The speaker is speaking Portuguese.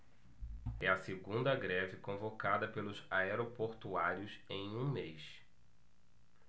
é a segunda greve convocada pelos aeroportuários em um mês